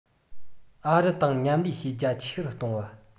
ཨ རི དང མཉམ ལས བྱེད རྒྱ ཆེ རུ གཏོང བ